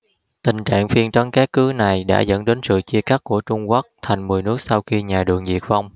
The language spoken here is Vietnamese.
tình trạng phiên trấn cát cứ này đã dẫn đến sự chia cắt của trung quốc thành mười nước sau khi nhà đường diệt vong